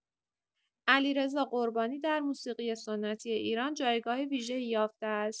علیرضا قربانی در موسیقی سنتی ایران جایگاه ویژه‌ای یافته است.